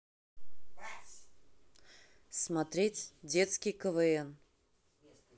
смотреть детский квн